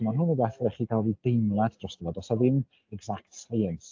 'ma hwn yn rywbeth ma' raid i chi gael ryw deimlad drosto fo does 'a ddim exact science.